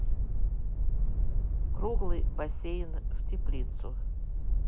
круглый бассейн в теплицу